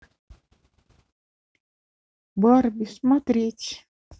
барби смотреть